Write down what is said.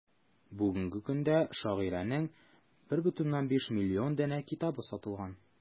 Бүгенге көндә шагыйрәнең 1,5 миллион данә китабы сатылган.